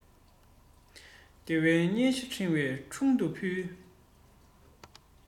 ལྟེ བའི སྙན ཞུ ལྟེ བའི དྲུང དུ ཕུལ